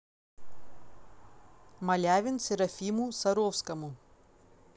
малявин серафиму саровскому